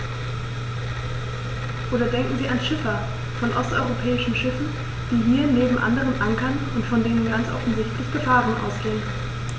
Oder denken Sie an Schiffer von osteuropäischen Schiffen, die hier neben anderen ankern und von denen ganz offensichtlich Gefahren ausgehen.